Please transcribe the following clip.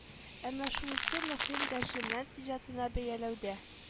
Әмма шунысы мөһим дәрдемәнд иҗатын бәяләүдә